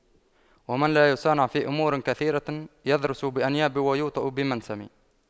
ومن لا يصانع في أمور كثيرة يضرس بأنياب ويوطأ بمنسم